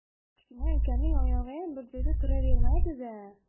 kichkina akamning oyog'iyam bir joyda turavermaydida